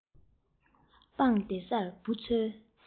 སྤང བདེ སར འབུ འཚོལ